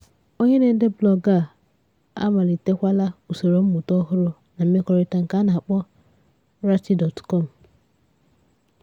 Onye na-ede blọọgụ a amalitekwala usoro mmụta ọhụrụ na mmekorita nke a na-akpọ 9rayti.com.